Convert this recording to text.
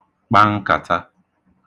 kpa nkàta